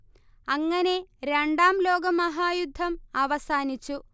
അങ്ങനെ രണ്ടാം ലോകമഹായുദ്ധം അവസാനിച്ചു